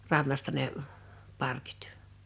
rannasta ne parkit